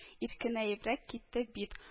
Иркенәебрәк китте бит